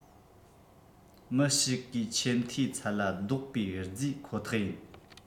མི ཞིག གིས ཆེ མཐོའི ཚད ལ རྡོག པས བརྫིས ཁོ ཐག ཡིན